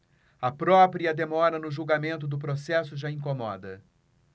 a própria demora no julgamento do processo já incomoda